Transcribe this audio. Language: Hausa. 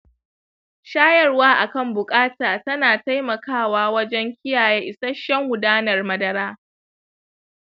shayarwa akan buƙata tana taimakawa wajen kiyaye isasshen gudanar madara.